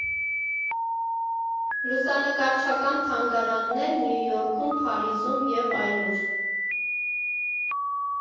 Լուսանկարչական թանգարաններ Նյու Յորքում, Փարիզում և այլուր։